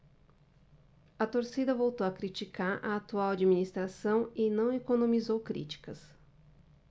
a torcida voltou a criticar a atual administração e não economizou críticas